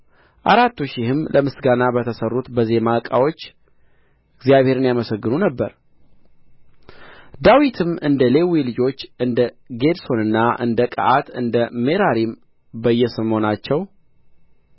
አራቱ ሺህም ለምስጋና በተሠሩት በዜማ ዕቃዎች እግዚአብሔርን ያመሰግኑ ነበር ዳዊትም እንደ ሌዊ ልጆች እንደ ጌድሶንና እንደ ቀዓት እነደ ሜራሪም በየሰሞናቸው